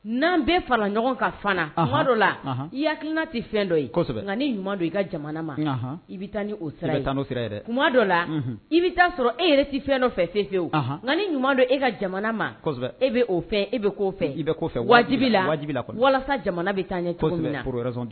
N'an bɛɛ fara ɲɔgɔn ka ha dɔ la i hakila tɛ fɛn dɔ i don i ka jamana ma i bɛ taa kuma dɔ la i bɛ taa sɔrɔ e yɛrɛ tɛ fɛn dɔ fɛ fɛn fɛ o ɲuman don e ka jamana ma e bɛ fɛ e bɛ fɛ i bɛ waatijibijibi walasa jamana bɛ taa